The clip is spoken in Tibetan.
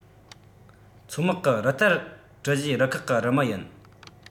མཚོ དམག གི རུ སྟར གྲུ བཞིའི རུ ཁག གི རུ མི ཡིན